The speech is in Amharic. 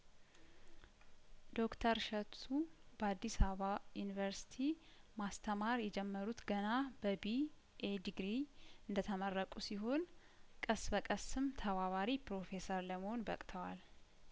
ዶክተር እሸቱ በአዲስአባ ዩኒቨርሲቲ ማስተማር የጀመሩት ገና በቢኤ ዲግሪ እንደተመረቁ ሲሆን ቀስበቀስም ተባባሪ ፕሮፌሰር ለመሆን በቅተዋል